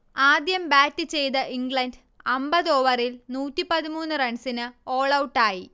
ആദ്യം ബാറ്റ് ചെയ്ത ഇംഗ്ലണ്ട് അമ്പതോവറിൽ നൂറ്റിപതിമൂന്ന് റൺസിന് ഓൾഔട്ടായി